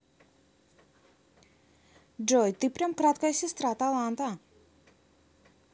джой ты прям краткая сестра таланта